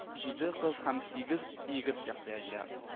Җиде кыз һәм сигез егет яклыячак